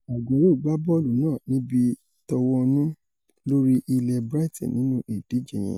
Aguero gba bọ́ọ̀lù náà níbi tówọnú lórí ilẹ̵̀ Brighton nínú ìdíje yẹn.